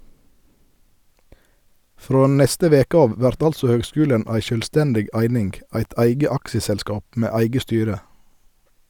Frå neste veke av vert altså høgskulen ei sjølvstendig eining, eit eige aksjeselskap med eige styre.